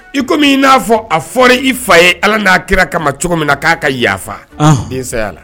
I ko min i n'a fɔ a fɔra ,i fa ye Ala n'a kira kama cogo min na k'a ka yafa, Anhan; den saya la.